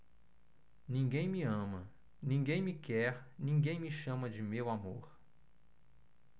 ninguém me ama ninguém me quer ninguém me chama de meu amor